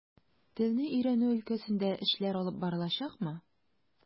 Телне өйрәнү өлкәсендә эшләр алып барылачакмы?